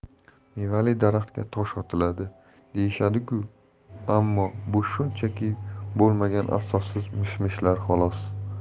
mevali daraxtga tosh otiladi deyishadi ku ammo bu shunchaki bo'lmagan asossiz mish mishlar xolos